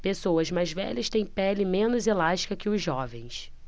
pessoas mais velhas têm pele menos elástica que os jovens